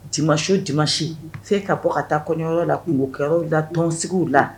Disi di masi se ka bɔ ka taa kɔɲɔyɔrɔ lakɛ la tɔnonsigiw la